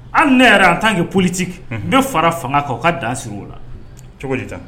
An ne yɛrɛ an' kɛ politi n bɛ fara fanga kan u ka dan siri o la cogo tan